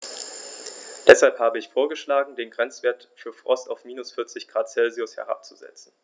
Deshalb habe ich vorgeschlagen, den Grenzwert für Frost auf -40 ºC herabzusetzen.